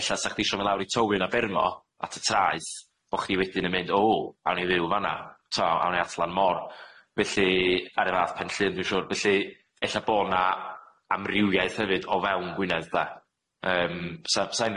E'lla sa chdi isio myn lawr i tywyn a byrmo at y traeth bo' chdi wedyn yn mynd o awn i fyw fan'a t'wo awn i at lan môr felly ar y fath penllyn dwi'n siŵr felly e'lla bo' na amrywiaeth hefyd o fewn Gwynedd de yym sa sa i'n